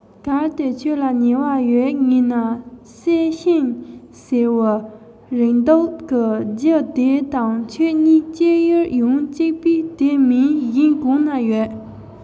གལ ཏེ ཁྱོད ལ ཉེ བ ཡོད ངེས ན བསེ ཤིང ཟེར བའི རེག དུག གི རྒྱུ དེ དང ཁྱོད གཉིས སྐྱེ ཡུལ ཡང གཅིག པས དེ མིན གཞན གང ན ཡོད